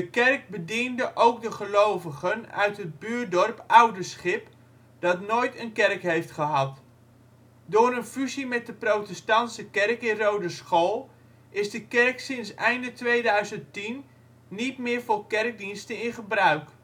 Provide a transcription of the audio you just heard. kerk bediende ook de gelovigen uit het buurdorp Oudeschip, dat nooit een kerk heeft gehad. Door een fusie met de protestantse kerk in Roodeschool is de kerk sinds einde 2010 niet meer voor kerkdiensten in gebruik